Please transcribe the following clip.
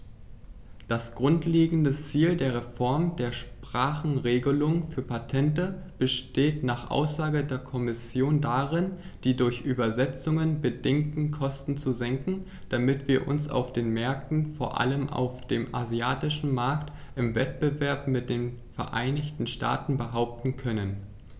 Das grundlegende Ziel der Reform der Sprachenregelung für Patente besteht nach Aussage der Kommission darin, die durch Übersetzungen bedingten Kosten zu senken, damit wir uns auf den Märkten, vor allem auf dem asiatischen Markt, im Wettbewerb mit den Vereinigten Staaten behaupten können.